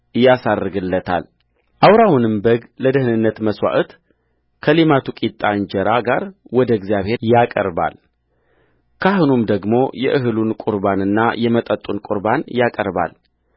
ያሳርግለታልአውራውንም በግ ለደኅንነት መሥዋዕት ከሌማቱ ቂጣ እንጀራ ጋር ወደ እግዚአብሔር ያቀርባል ካህኑም ደግሞ የእህሉን ቍርባንና የመጠጡን ቍርባን ያቀርባል